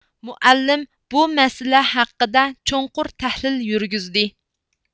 مۇئەللىم بۇ مەسىلە ھەققىدە چوڭقۇر تەھلىل يۈرگۈزدى